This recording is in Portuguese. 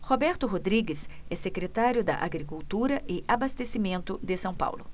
roberto rodrigues é secretário da agricultura e abastecimento de são paulo